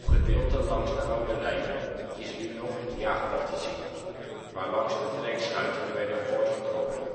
gedeelten langs de Oude Rijn is nu nog het jaagpad te zien, waarlangs de trekschuiten werden voortgetrokken